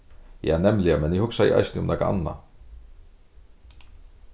ja nemliga men eg hugsaði eisini um nakað annað